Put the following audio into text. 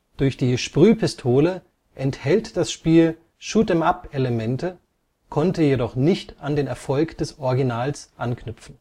Durch die Sprühpistole enthält das Spiel Shoot -' em-up-Elemente, konnte jedoch nicht an den Erfolg des Originals anknüpfen